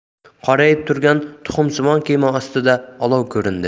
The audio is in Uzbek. qorayib turgan tuxumsimon kema ostida olov ko'rindi